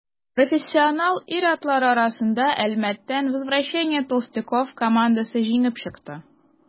Профессионал ир-атлар арасында Әлмәттән «Возвращение толстяков» командасы җиңеп чыкты.